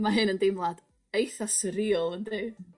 ma' hyn yn deimlad eitha swreal yndi?